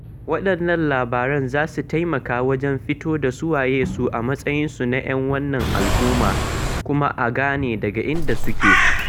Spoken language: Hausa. Waɗannan labaran za su taimaka wajen fito da su waye su a matsayinsu na 'yan wannan al'umma kuma a gane daga inda suke.